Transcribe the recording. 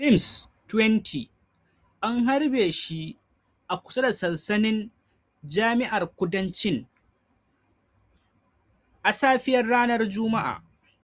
Sims, 20, an harbe shi a kusa da sansanin Jami'ar Kudancin a safiyar ranar Juma'a.